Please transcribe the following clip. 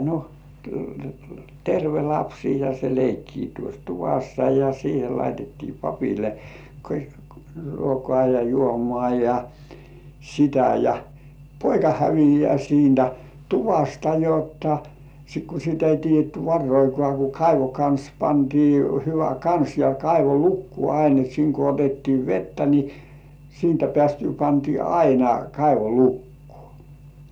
no terve lapsi ja se leikkii tuossa tuvassa ja siihen laitettiin papille ruokaa ja juomaa ja sitä ja poika häviää siitä tuvasta jotta kun sitä ei tiedetty varoakaan kun kaivon kansi pantiin hyvä kansi ja kaivo lukkoon aina että siinä kun otettiin vettä niin siitä päästyä pantiin aina kaivo lukkoon